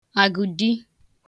àgụ̀di